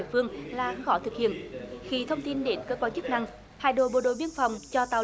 phương là khó thực hiện khi thông tin đến cơ quan chức năng hai đội bộ đội biên phòng cho tàu